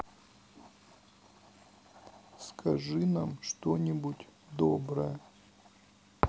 скажи нам что нибудь доброе